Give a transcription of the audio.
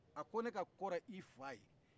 a ko ne ka kɔrɔ i fa ye